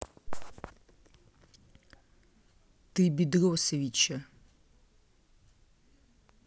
ты бедросовича